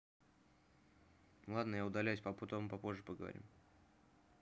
ну ладно я удаляюсь потом попозже поговорим